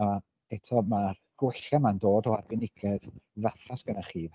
A eto ma'r gwella yma'n dod o arbenigedd fatha sy gennych chi.